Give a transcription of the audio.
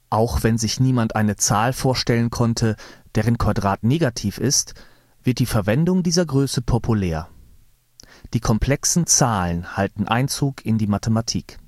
Auch wenn sich niemand eine Zahl vorstellen konnte, deren Quadrat negativ ist, wird die Verwendung dieser Größe populär. Die komplexen Zahlen halten Einzug in die Mathematik